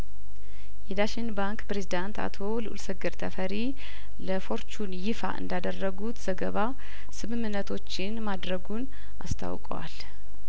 የዳሽን ባንክ ፕሬዚዳንት አቶ ልኡልሰገድ ተፈሪ ለፎርቹን ይፋ እንዳደረጉት ዘገባ ስምምነቶችን ማድረጉን አስታውቀዋል